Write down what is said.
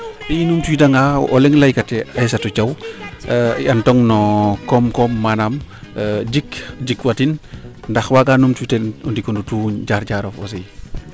i numtu wiida nga o leŋ leyka te aissatou Thiaw i an tong no kom kom manaam jik jikwa tin ndax waaga numtu wiid teen o ndiko nu tuuñ jaar jaarof aussi